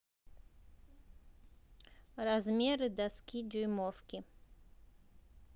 размеры доски дюймовки